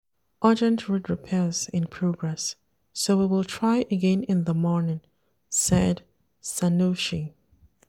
“Urgent road repairs in progress so we will try again in the morning,” said Cernuschi.